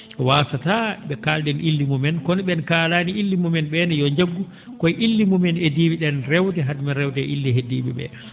waasataa ?e kaal?en illi mumen kono ?e en kaalaani illi mumen ?ee ne yo njaggu koye ille mumen idori?en rewde hade men rewde e ille heddii?e ?e